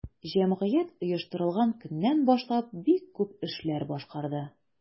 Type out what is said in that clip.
Җәмгыять оештырылган көннән башлап бик күп эшләр башкарды.